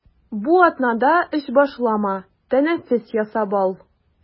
Бу атнада эш башлама, тәнәфес ясап ал.